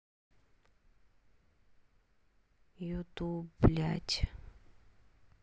ютуб блядь